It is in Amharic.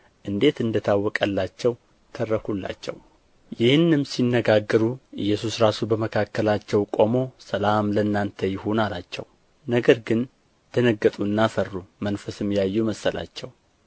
እንዴት እንደ ታወቀላቸው ተረኩላቸው ይህንም ሲነጋገሩ ኢየሱስ ራሱ በመካከላቸው ቆሞ ሰላም ለእናንተ ይሁን አላቸው ነገር ግን ደነገጡና ፈሩ መንፈስም ያዩ መሰላቸው